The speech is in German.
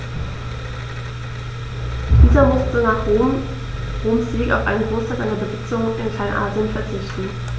Dieser musste nach Roms Sieg auf einen Großteil seiner Besitzungen in Kleinasien verzichten.